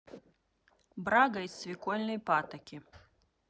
брага из свекольной патоки